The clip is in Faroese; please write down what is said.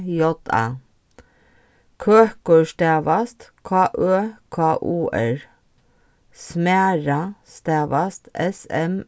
j a køkur stavast k ø k u r smæra stavast s m